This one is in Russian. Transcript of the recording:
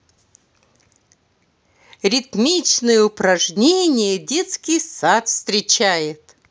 ритмичные упражнения детский сад встречает